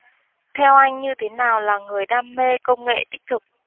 theo anh như thế nào là người đam mê công nghệ đích thực